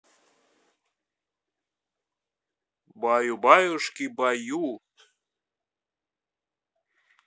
баю баюшки баю